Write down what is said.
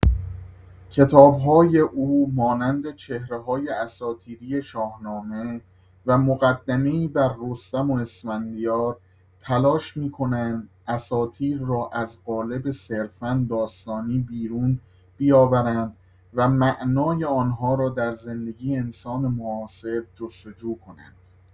کتاب‌های او مانند «چهره‌های اساطیری شاهنامه» و «مقدمه‌ای بر رستم و اسفندیار» تلاش می‌کنند اساطیر را از قالب صرفا داستانی بیرون بیاورند و معنای آنها را در زندگی انسان معاصر جست‌وجو کنند.